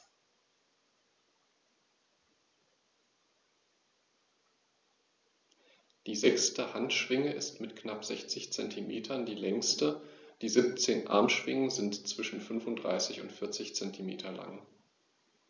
Die sechste Handschwinge ist mit knapp 60 cm die längste. Die 17 Armschwingen sind zwischen 35 und 40 cm lang.